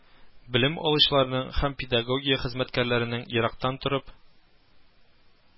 Белем алучыларның һәм педагогия хезмәткәрләренең ерактан торып